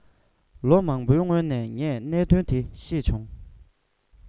ལོ མང པོའི སྔོན ནས ངས གནད དོན དེ ཤེས བྱུང